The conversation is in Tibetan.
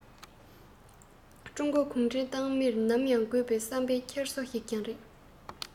ཀྲུང གོའི གུང ཁྲན ཏང མིར ནམ ཡང དགོས པའི བསམ པའི འཁྱེར སོ ཞིག ཀྱང རེད